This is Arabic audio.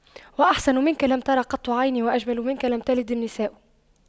وأحسن منك لم تر قط عيني وأجمل منك لم تلد النساء